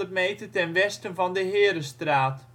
meter ten westen van de Herenstraat